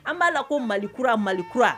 An b'a la ko Mali kura Mali kura